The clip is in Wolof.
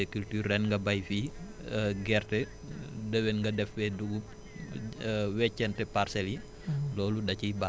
kon di def rotation des cultures ren nga béy fii gerte déwén nga def fee dugub weccente parcelles yi